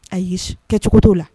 A kɛcogo t'o la